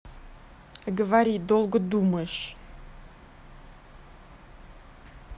говори долго думаешь